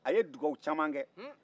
a ye duwawu caman kɛ